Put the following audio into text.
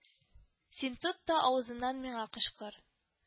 Син тот та авызыннан миңа кычкыр: